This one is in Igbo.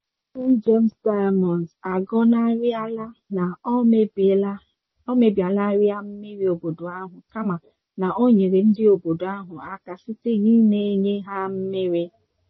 Ụlọọrụ Gem Diamonds agọnarịala na ọ mebielarị mmiri obodo ahụ kama na o nyere ndị obodo ahụ aka site ị na-enye ha mmiri.